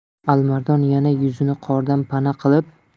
alimardon yana yuzini qordan pana qilib